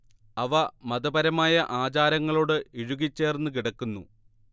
അവ മതപരമായ ആചാരങ്ങളോട് ഇഴുകിച്ചേർന്നു കിടക്കുന്നു